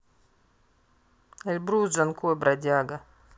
эльбрус джанкой бродяга